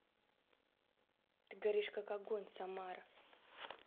ты горишь как огонь самара